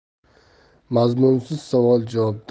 mazmunsiz savol javobdan